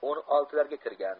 o'n oltilarga kirgan